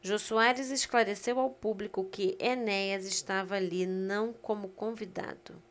jô soares esclareceu ao público que enéas estava ali não como convidado